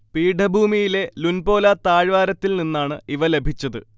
പീഠഭൂമിയിലെ Lunpola താഴ്വാരത്തിൽ നിന്നാണ് ഇവ ലഭിച്ചത്